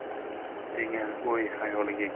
degan uy xayoliga